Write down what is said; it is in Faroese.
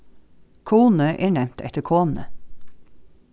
kunoy er nevnt eftir konu